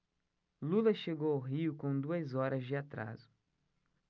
lula chegou ao rio com duas horas de atraso